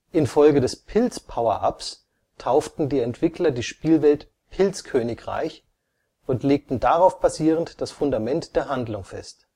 Infolge des Pilz-Power-ups tauften die Entwickler die Spielwelt „ Pilzkönigreich “und legten darauf basierend das Fundament der Handlung fest